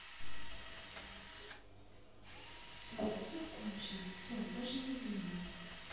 все все кончено все даже не думай